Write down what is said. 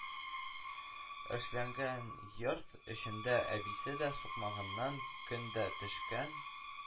Эшләнгән йорт эчендә әбисе дә сукмагыннан көн дә төшкән